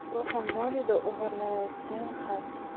o'g'ri ham noliydi o'g'irlatgan ham